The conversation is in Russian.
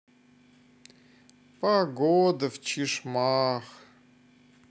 погода в чишмах